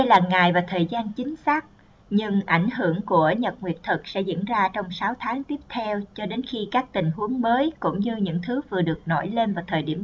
đây là ngày và thời gian chính xác nhưng ảnh hưởng của nhật thực sẽ diễn ra trong tháng tiếp theo cho đến khi các tình huống mới cũng như những thứ vừa được nổi lên vào thời điểm này